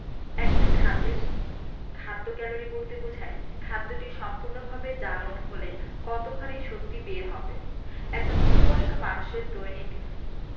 একটা খাদ্যের খাদ্য ক্যালোরি বলতে বোঝায় খাদ্যটি সম্পূর্ণভাবে জারণ হলে কতখানি শক্তি বের হবে একজন পূর্ণবয়স্ক মানুষের দৈনিক